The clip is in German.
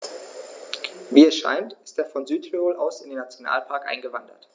Wie es scheint, ist er von Südtirol aus in den Nationalpark eingewandert.